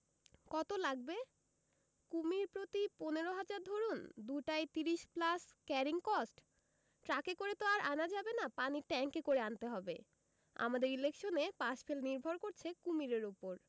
কত লাগবে কুমীর প্রতি পনেরো হাজার ধরুন দুটায় ত্রিশ প্লাস ক্যারিং কস্ট ট্রাকে করে তো আর আনা যাবে না পানির ট্যাংকে করে আনতে হবে আমাদের ইলেকশনে পাশ ফেল নির্ভর করছে কুমীরের উপর